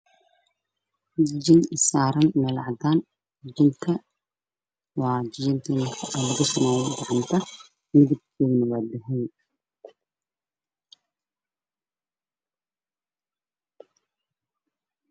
Waa jiijin midabkeedu yahay dahab